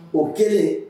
O kɛlen